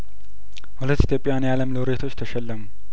ሁለት ኢትዮጵያውያን የአለም ሎሬቶች ተሸለሙ